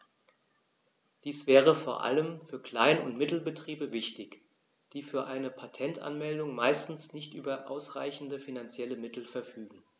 Dies wäre vor allem für Klein- und Mittelbetriebe wichtig, die für eine Patentanmeldung meistens nicht über ausreichende finanzielle Mittel verfügen.